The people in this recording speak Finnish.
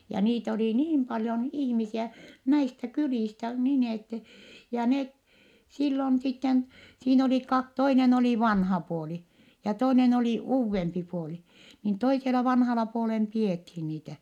ja niitä oli niin paljon ihmisiä näistä kylistä niin että ja ne silloin sitten siinä oli - toinen oli vanha puoli ja toinen oli uudempi puoli niin toisella vanhalla puolen pidettiin niitä